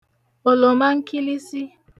òlòma nkịlịsị